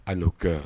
A n'o kɛ